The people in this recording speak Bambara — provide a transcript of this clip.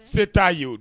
Se t'a ye o